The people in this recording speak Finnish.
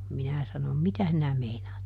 minä sanoin mitä sinä meinaat